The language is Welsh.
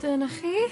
Dyna chi.